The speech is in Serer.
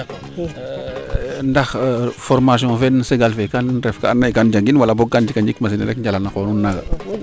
ndax formation fe segal fe ka ref ka ando naye kan njagin wala boog kan njika njik machine ne rek njala la qoox nuun neene